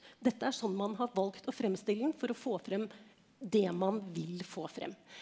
dette er sånn man har valgt å fremstille den for å få frem det man vil få frem.